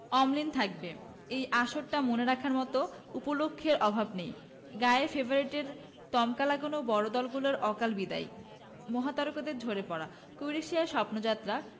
অমলিন থাকবে এই আসরটা মনে রাখার মতো উপলক্ষের অভাব নেই গায়ে ফেভারিটের তকমা লাগানো বড় দলগুলোর অকাল বিদায় মহাতারকাদের ঝরে পড়া ক্রোয়েশিয়ার স্বপ্নযাত্রা